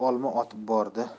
deb olma otib bordi